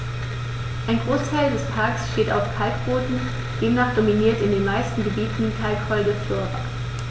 Ein Großteil des Parks steht auf Kalkboden, demnach dominiert in den meisten Gebieten kalkholde Flora.